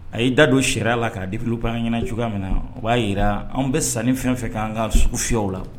A y'i da don charia la ka a dévélopper an ɲɛna cogoya min na o b'a yiraa anw bɛ sanni fɛn fɛn kɛ an ka sugufiyɛw la